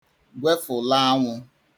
gwefụ l'anya